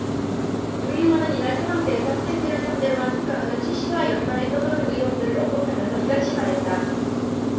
유 의원은 이날 서강대에서 학생들을 상대로 한 특강에서 최씨와 연관해 떠도는 의혹들을 언급하면서 이같이 말했다